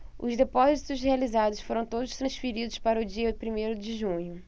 os depósitos realizados foram todos transferidos para o dia primeiro de junho